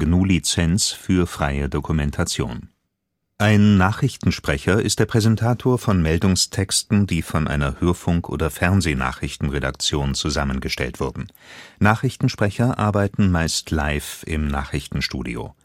GNU Lizenz für freie Dokumentation. Hörfunknachrichtensprecher in Sierra Leone Ein Nachrichtensprecher ist der Präsentator von Meldungstexten, die von einer Hörfunk - oder Fernseh-Nachrichtenredaktion zusammengestellt wurden. Nachrichtensprecher arbeiten meist „ live “im Nachrichtenstudio